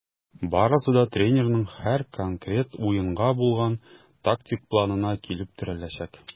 Барысы да тренерның һәр конкрет уенга булган тактик планына килеп терәләчәк.